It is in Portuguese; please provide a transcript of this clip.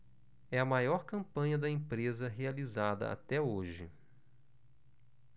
é a maior campanha da empresa realizada até hoje